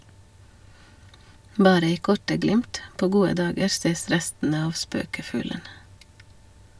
Bare i korte glimt, på gode dager, ses restene av spøkefuglen.